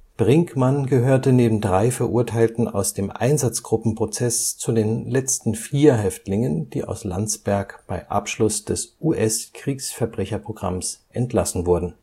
Brinkmann gehörte neben drei Verurteilten aus dem Einsatzgruppen-Prozess zu den letzten vier Häftlingen, die aus Landsberg bei Abschluss des US-Kriegsverbrecherprogramms entlassen wurden